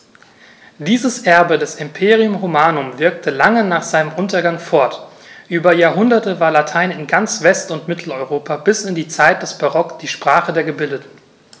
Dieses Erbe des Imperium Romanum wirkte lange nach seinem Untergang fort: Über Jahrhunderte war Latein in ganz West- und Mitteleuropa bis in die Zeit des Barock die Sprache der Gebildeten.